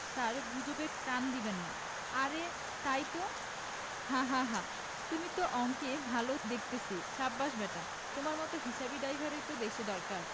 ছার গুজবে কান্দিবেন্না আরে তাই তো হাহাহা তুমি তো অঙ্কেও ভাল দেখতেছি সাব্বাস ব্যাটা তোমার মত হিসাবি ড্রাইভারই তো দেশে দরকার